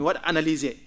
mi wa?a analyser